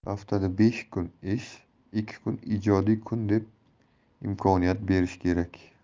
haftada besh kun ish ikki kun ijodiy kun deb imkoniyat berish kerak